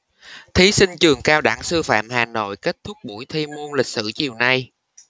thí sinh trường cao đẳng sư phạm hà nội kết thúc buổi thi môn lịch sử chiều nay